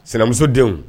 Sinamusodenw